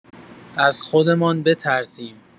از خودمان بترسیم.